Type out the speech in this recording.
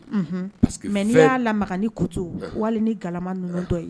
Unhun parce que fɛn mais n'i y'a lamaka ni kutu walima ni gaama ninnu dɔ ye.